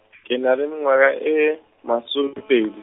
ke na le mengwaga e, maso pedi.